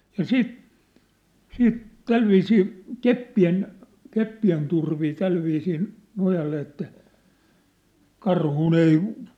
ja sitten sitten tällä viisiin keppien keppien turvin ja tällä viisiin nojalle että karhun ei